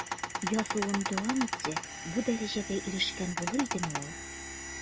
Язуын дәвам итсә, бу дәрәҗәгә ирешкән булыр идеме ул?